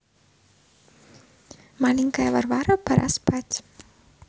маленькая варвара пора спать